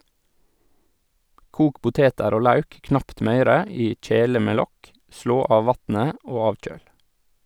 Kok poteter og lauk knapt møyre i kjele med lokk, slå av vatnet og avkjøl.